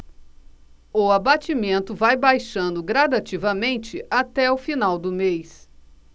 o abatimento vai baixando gradativamente até o final do mês